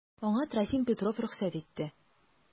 Аңа Трофим Петров рөхсәт итте.